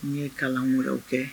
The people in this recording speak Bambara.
N ye kalan moriw kɛ